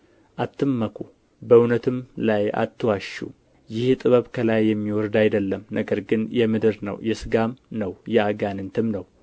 አትመኩ በእውነትም ላይ አትዋሹ ይህ ጥበብ ከላይ የሚወርድ አይደለም ነገር ግን የምድር ነው የሥጋም ነው የአጋንንትም ነው